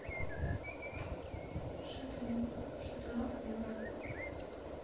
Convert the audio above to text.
шатунов шатунов юра